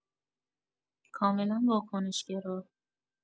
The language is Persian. کاملا واکنش گرا